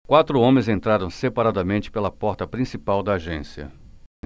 quatro homens entraram separadamente pela porta principal da agência